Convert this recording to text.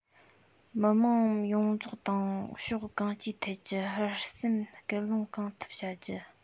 མི དམངས ཡོངས རྫོགས དང ཕྱོགས གང ཅིའི ཐད ཀྱི ཧུར སེམས སྐུལ སློང གང ཐུབ བྱ རྒྱུ